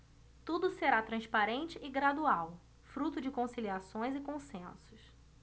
tudo será transparente e gradual fruto de conciliações e consensos